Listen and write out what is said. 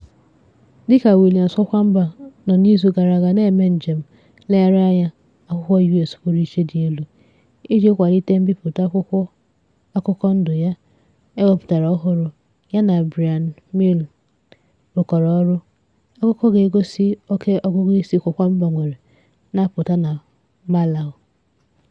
Dịka William Kamkwamba nọ n'izu gara aga na-eme njem nlegharịanya akwụkwọ US pụrụiche dị elu iji kwalite mbipụta akwụkwọ akụkọ ndụ ya e wepụtara ọhụrụ, ya na Bryan Mealer rụkọrọ ọrụ, akụkọ ga-egosi oke ọgụgụisi Kamkwamba nwere na-apụta na Malawi.